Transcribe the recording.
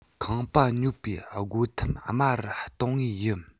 ཁང པ ཉོས པའི སྒོ ཐེམ དམའ རུ གཏོང ངེས ཡིན